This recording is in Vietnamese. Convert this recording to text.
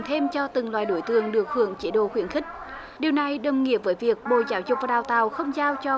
thêm cho từng loại đối tượng được hưởng chế độ khuyến khích điều này đồng nghĩa với việc bộ giáo dục và đào tạo không dao cho